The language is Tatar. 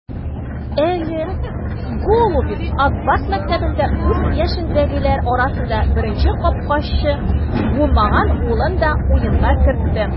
Әле Голубев "Ак Барс" мәктәбендә үз яшендәгеләр арасында беренче капкачы булмаган улын да уенга кертте.